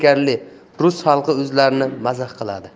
zerikarli rus xalqi o'zlarini mazax qiladi